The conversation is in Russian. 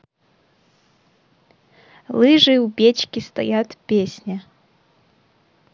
лыжи у печки стоят песня